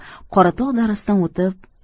qoratog' darasidan o'tib